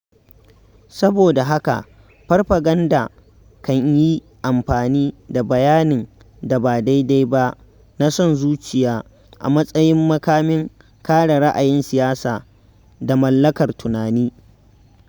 Saboda haka, farfaganda kan yi amfani da bayanin da ba daidai ba na son zuciya a matsayin makamin kare ra'ayin siyasa da mallakar tunani.